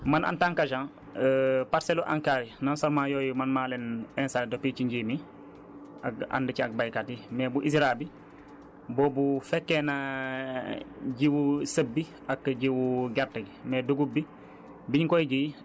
léegi ci wàllu saytu bi man en tant qu' agent parcelle lu ANCAR yi non seulement yooyu man maa leen installer depuis ci nji mi ak ànd ci ak baykat yi mais bu ISRA bi boobu fekkee naa jiwu sëb bi ak jiwu gerte